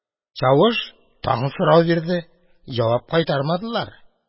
Чавыш тагын сорау бирде — җавап кайтармадылар.